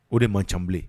O de ma ca bilen